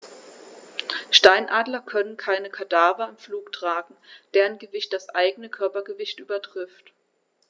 Steinadler können keine Kadaver im Flug tragen, deren Gewicht das eigene Körpergewicht übertrifft.